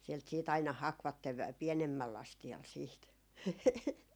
sieltä sitten aina hakivat - pienemmällä astialla sitten